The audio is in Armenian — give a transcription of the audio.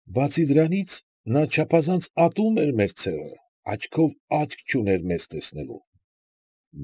Բացի դրանից, նա չափազանց ատում էր մեր ցեղը, աչքով աչք չուներ մեզ տեսնելու։